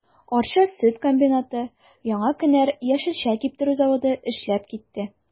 Арча сөт комбинаты, Яңа кенәр яшелчә киптерү заводы эшләп китте.